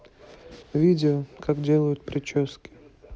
видео как делают прически